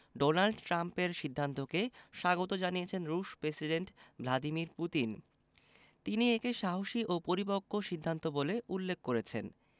Donald ট্রাম্পের সিদ্ধান্তকে স্বাগত জানিয়েছেন রুশ প্রেসিডেন্ট ভ্লাদিমির পুতিন তিনি একে সাহসী ও পরিপক্ব সিদ্ধান্ত বলে উল্লেখ করেছেন